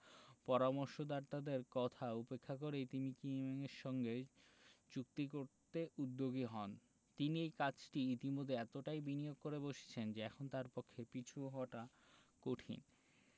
পরামর্শদাতাদের কথা উপেক্ষা করে তিনি কিমের সঙ্গে চুক্তি করতে উদ্যোগী হন তিনি এই কাজটি ইতিমধ্যে এতটাই বিনিয়োগ করে বসেছেন যে এখন তাঁর পক্ষে পিছু হটা কঠিন